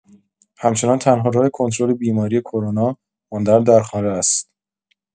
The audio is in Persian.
همچنان تنها راه کنترل بیماری کرونا ماندن در خانه است.